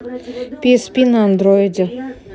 пи эс пи на андроиде